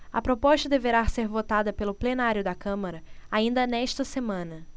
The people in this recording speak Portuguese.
a proposta deverá ser votada pelo plenário da câmara ainda nesta semana